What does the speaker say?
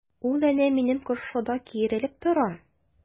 Ул әнә минем каршыда киерелеп тора!